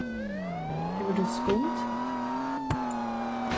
hevur tú skund